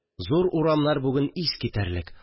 Зур урам бүген искитәрлек